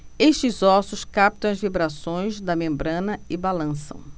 estes ossos captam as vibrações da membrana e balançam